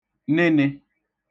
gə̣nə̣̄